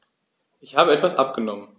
Ich habe etwas abgenommen.